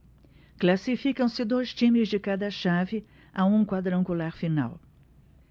classificam-se dois times de cada chave a um quadrangular final